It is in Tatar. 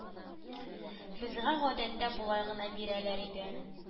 Безгә гадәттә болай гына бирәләр иде